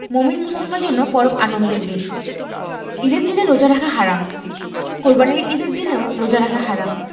মোমিন মুসলিমের জন্য পরম আনন্দের দিন ঈদের দিনে রোজা রাখা হারাম কোরবানির ঈদের দিনেও রোজা রাখা হারাম